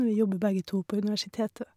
Vi jobber begge to på universitetet.